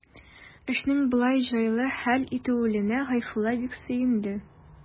Эшнең болай җайлы хәл ителүенә Гайфулла бик сөенде.